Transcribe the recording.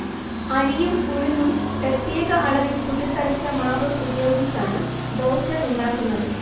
അരിയും ഉഴുന്നും പ്രത്യേക അളവിൽ കുതിർത്തരച്ച മാവ് ഉപയോഗിച്ചാണ് ദോശ ഉണ്ടാക്കുന്നത്